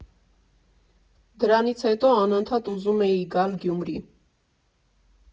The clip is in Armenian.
Դրանից հետո անընդհատ ուզում էի գալ Գյումրի։